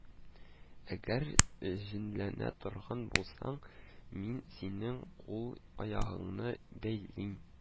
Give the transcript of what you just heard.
Әгәр җенләнә торган булсаң, мин синең кул-аягыңны бәйлим